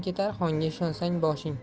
ketar xonga ishonsang boshing